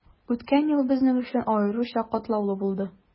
Үткән ел безнең өчен аеруча катлаулы булды.